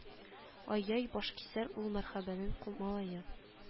Ай-яй башкисәр ул мәрхәбәнең малае